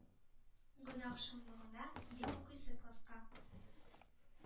Гөнаһ шомлыгына, мин укыйсы класска